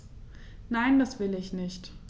Nein, das will ich nicht.